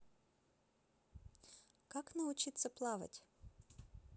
как научиться плавать